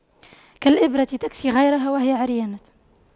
كالإبرة تكسي غيرها وهي عريانة